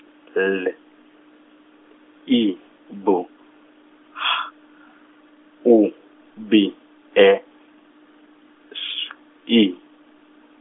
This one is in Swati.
L, E, B, H, U, B, E, S , E.